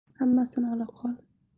hammasini ola qol